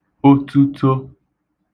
otuto